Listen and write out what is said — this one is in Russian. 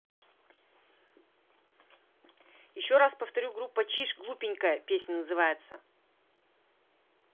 еще раз повторю группа чиж глупенькая песня называется